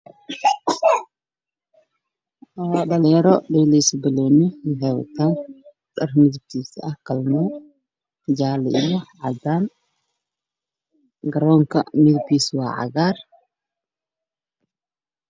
Waa garoon waxaa jooga niman dhulkooda waa cagaar